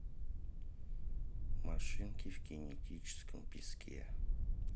машинки в кинетическом песке